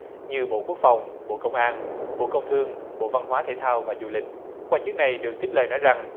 như bộ quốc phòng bộ công an bộ công thương bộ văn hóa thể thao và du lịch quan chức này được trích lời nói rằng